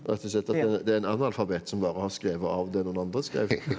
rett og slett at det er det er en analfabet som bare har skrevet av det noen andre skrev.